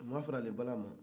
o sɔrɔla bala de la